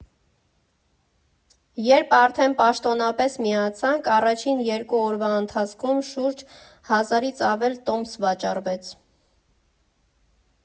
Երբ արդեն պաշտոնապես միացանք, առաջին երկու օրվա ընթացքում շուրջ հազարից ավել տոմս վաճառվեց։